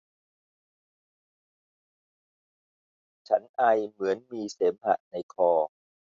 ฉันไอเหมือนมีเสมหะในคอ